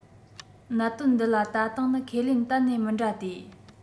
གནད དོན འདི ལ ལྟ སྟངས ནི ཁས ལེན གཏན ནས མི འདྲ སྟེ